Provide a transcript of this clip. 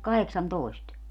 kahdeksantoista